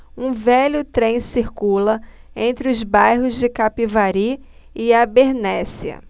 um velho trem circula entre os bairros de capivari e abernéssia